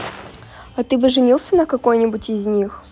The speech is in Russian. а ты бы женился на какой нибудь из них